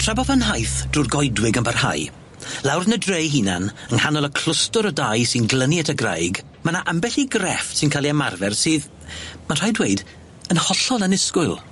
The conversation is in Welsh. Tra bod fy nhaith drw'r goedwig yn barhau lawr yn y dre ei hunan, yng nghanol y clwstwr o dai sy'n glynu at y graig, ma' 'na ambell i grefft sy'n ca'l 'i ymarfer sydd ma'n rhaid dweud, yn hollol annisgwyl.